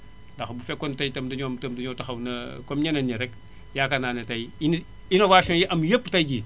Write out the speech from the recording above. ndax bu fekkoon tay itam ñoom itam dañoo taxaw comme ñeneen ñi rek yaakaar naa ne tay inni innovations yi am yépp tay jii